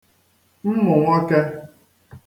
mmụ̀ nwọkē